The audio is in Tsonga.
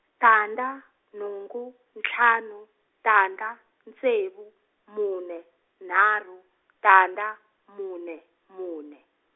tandza nhungu ntlhanu tandza ntsevu mune nharhu tandza mune mune.